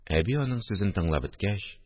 Әби, аның сүзен тыңлап беткәч